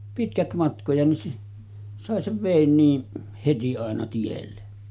pitkät matkoja niin sai sen veden niin heti aina tielle